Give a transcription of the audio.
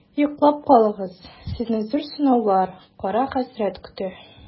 Йоклап калыгыз, сезне зур сынаулар, кара хәсрәт көтә.